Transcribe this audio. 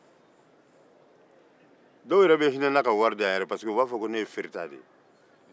dɔw yɛrɛ bɛ hinɛ n na ka wari di yan pariseke u b'a fɔ ko ne ye falatɔ de ye